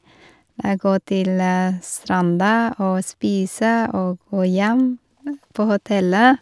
Gå til stranda og spise og gå hjem på hotellet.